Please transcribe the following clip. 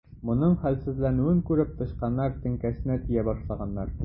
Моның хәлсезләнүен күреп, тычканнар теңкәсенә тия башлаганнар.